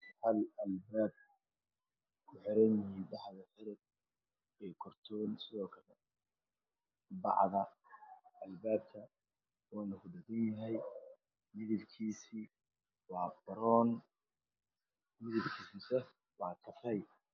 Halkan waxay ka muuqdo frijiir uu ku jirto cunto farabadan oo qabow